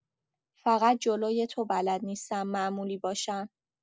فقط جلوی تو بلد نیستم معمولی باشم.